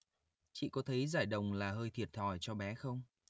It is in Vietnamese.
chị có thấy giải đồng là hơi thiệt thòi cho bé không